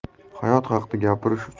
hayot haqida gapirish